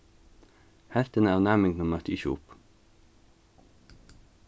helvtin av næmingunum møttu ikki upp